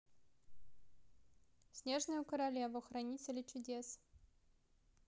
снежную королеву хранители чудес